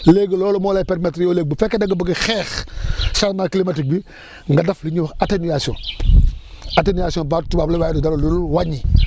léegi loolu moo lay permettre yow léegi bu fekkee da nga bëgg a xeex changement climatique bi nga def li ñuy wax atténuation atténuation baatu tubaab la waaye du dara ludul wàññi